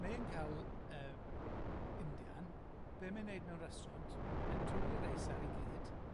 Mae e'n cael, yy, Indian, be' mae'n neud mewn restaurant, mae'n twli'r reis ar ei hyd